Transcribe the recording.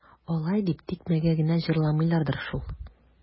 Алай дип тикмәгә генә җырламыйлардыр шул.